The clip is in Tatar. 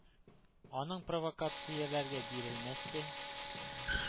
Аның провокацияләргә бирелмәскә,